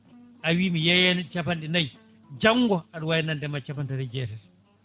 a wi mi yeeyani capanɗe nayyi janggo aɗa wawi nande capantati e jeetati